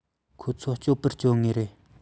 ཁོ ཚོ སྐྱོབ པར བསྐྱོད ངེས རེད